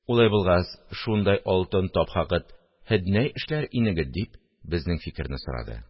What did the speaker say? Улай булгас, шундай алтын тапһагыд, һед нәй эшләр инегед? – дип, безнең фикерне сорады